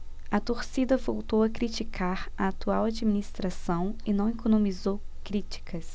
a torcida voltou a criticar a atual administração e não economizou críticas